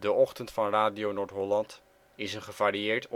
Ochtend van Radio Noord-Holland is een gevarieerd